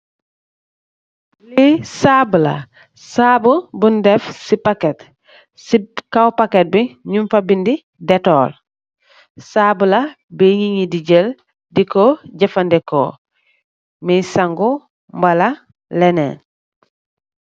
Sabou nyun fa def detol pur sangu.